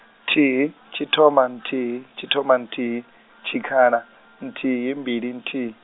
thihi , tshithoma nthihi, tshithoma nthihi, tshikhala, nthihi mbili nthihi.